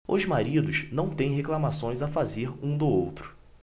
os maridos não têm reclamações a fazer um do outro